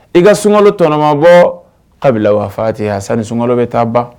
I ka sunkalo tɔnɔmabɔ yani sunkalo bɛ taa ban